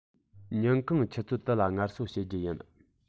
ཉིན གུང ཆུ ཚོད དུ ལ ངལ གསོ བྱེད རྒྱུ ཡིན